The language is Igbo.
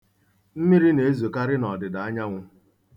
Mmiri na-ezokarị n'ọdịdaanyanwụ.